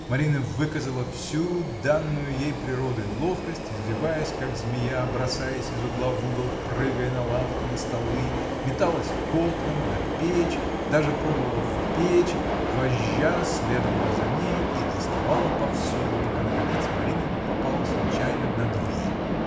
Марина выказала всю данную ей природой ловкость, извиваясь, как змея, бросаясь из угла в угол, прыгая на лавки, на столы, металась к окнам, на печь, даже пробовала в печь: вожжа следовала за ней и доставала повсюду, пока наконец Марина не попала случайно на дверь.